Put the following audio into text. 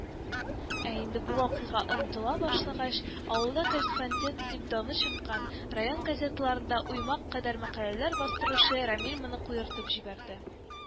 Ә инде бу вакыйга онытыла башлагач, авылда корреспондент дип даны чыккан, район газеталарында уймак кадәр мәкаләләр бастыручы Рәмил моны куертып җибәрде